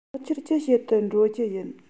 ནག ཆུར ཅི བྱེད དུ འགྲོ རྒྱུ ཡིན